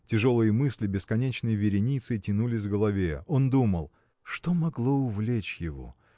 Тяжелые мысли бесконечной вереницей тянулись в голове. Он думал: Что могло увлечь его?